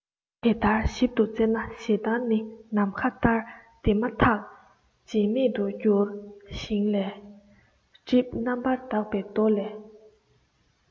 དེ ལྟར ཞིབ ཏུ བཙལ ན ཞེ སྡང ནི ནམ མཁའ ལྟར དེ མ ཐག རྗེས མེད དུ འགྱུར ཞིང ལས སྒྲིབ རྣམ པར དག པའི མདོ ལས